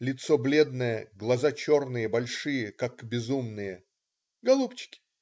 Лицо бледное, глаза черные, большие, как безумные. "Голубчики!